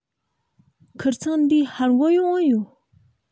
ཁིར ཚང འདིའི ཧར འགོ འ ཡོང ཨེ ཡོད